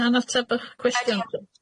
'Di hynna'n ateb ych cwestiwn?